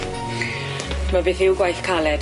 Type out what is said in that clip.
'My beth yw gwaith caled.